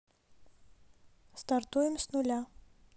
стартуем с нуля